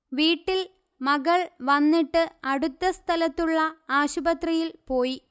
വീട്ടിൽ മകൾ വന്നിട്ട് അടുത്ത സ്ഥലത്തുള്ള ആശുപത്രിയിൽ പോയി